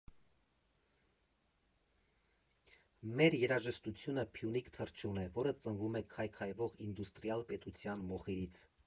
Մեր երաժշտությունը Փյունիկ թռչուն է, որը ծնվում է քայքայվող ինդուստրիալ պետության մոխիրից։